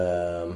Yym.